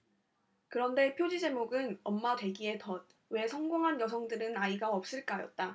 그런데 표지 제목은 엄마 되기의 덫 왜 성공한 여성들은 아이가 없을까였다